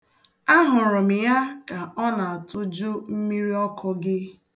A hụrụ m ya ka ọ na-atụjụ mmiri ọkụ gị.